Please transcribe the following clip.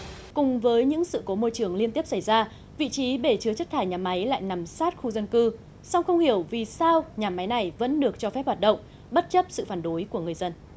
cùng với những sự cố môi trường liên tiếp xảy ra vị trí bể chứa chất thải nhà máy lại nằm sát khu dân cư song không hiểu vì sao nhà máy này vẫn được cho phép hoạt động bất chấp sự phản đối của người dân